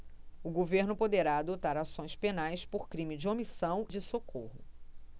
o governo poderá adotar ações penais por crime de omissão de socorro